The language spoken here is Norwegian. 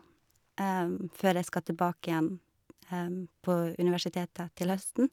Før jeg skal tilbake igjen på universitetet til høsten.